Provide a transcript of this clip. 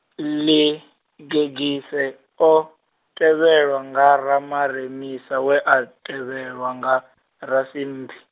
Ḽigegise, o, tevhelwa nga Ramaremisa we a tevhelwa nga, Rasimphi.